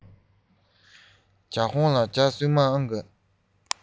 ཟ ཁང ལ ཇ སྲུབས མ འདུག གས